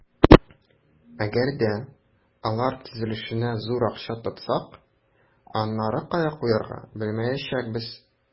Әгәр дә алар төзелешенә зур акча тотсак, аннары кая куярга белмәячәкбез.